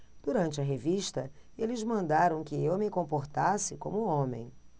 durante a revista eles mandaram que eu me comportasse como homem